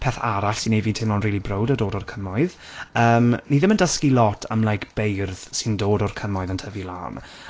Peth arall sy'n neud fi teimlo'n rili browd o dod o'r cymoedd. Yym ni ddim yn dysgu lot am like beirdd, sy'n dod o'r cymoedd, yn tyfu lan.